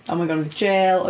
A mae hi'n gorfod mynd i jêl.